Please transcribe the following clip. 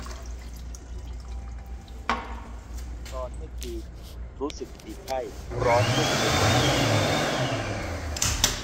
ตอนเมื่อคืนรู้สึกมีไข้ร้อนรุ่มไปหมด